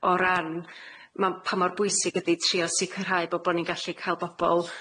O ran ma- pa mor bwysig ydi sicrhau bo' bo' ni'n gallu ca'l bobol